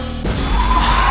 chính